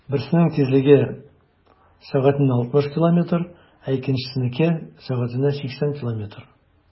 Берсенең тизлеге 60 км/сәг, ә икенчесенеке - 80 км/сәг.